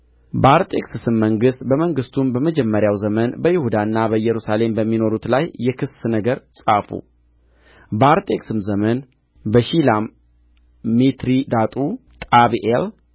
በአርጤክስስም መንግሥት በመንግሥቱም በመጀመሪያ ዘመን በይሁዳና በኢየሩሳሌም በሚኖሩት ላይ የክስ ነገር ጻፉ በአርጤክስስ ዘመን ቢሽላም ሚትሪዳጡ ጣብኤል